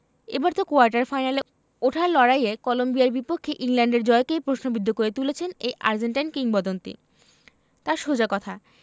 এবার তো কোয়ার্টার ফাইনালে ওঠার লড়াইয়ে কলম্বিয়ার বিপক্ষে ইংল্যান্ডের জয়কেই প্রশ্নবিদ্ধ করে তুলেছেন এই আর্জেন্টাইন কিংবদন্তি তাঁর সোজা কথা